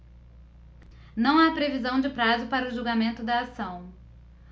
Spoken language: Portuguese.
não há previsão de prazo para o julgamento da ação